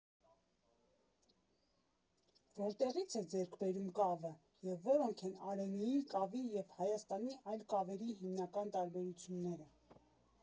Որտեղից է ձեռք բերում կավը և որոնք են Արենիի կավի և Հայաստանի այլ կավերի հիմնական տարբերությունները։